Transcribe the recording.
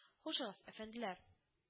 Хушыгыз, әфәнделәр